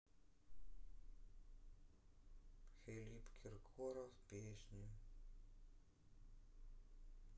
филипп киркоров песни